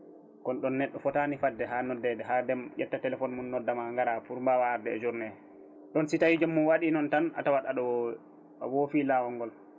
kono ɗon neɗɗo footani fadde ha nodde nde ha Déme ƴetta téléphone mum noddama gaara pour mbawa arde e journée he ɗum si tawi jomum waɗi noon tan a tawat aɗo a woofi laawol ngol